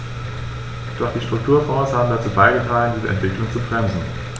Doch die Strukturfonds haben dazu beigetragen, diese Entwicklung zu bremsen.